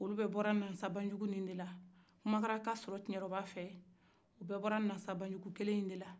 olu de bɔra nasabanjuku la kumakra ka sɔrɔ kiɲɛrɔba fɛ u bɛ bɔra nasabajuku kelen de la